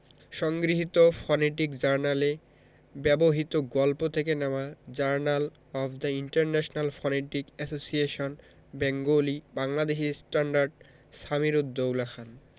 সংগৃহীত ফনেটিক জার্নালে ব্যবহিত গল্প থেকে নেওয়া Journal of the International Phonetic Association Bengali Bangladeshi standard Samir ud Daula Khan